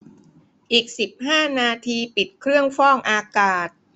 อีกสิบห้านาทีปิดเครื่องฟอกอากาศ